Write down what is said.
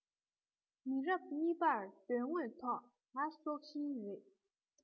མི རབས གཉིས པར དོན དངོས ཐོག ང སྲོག ཤིང རེད